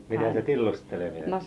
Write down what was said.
mitä se tillusteleminen on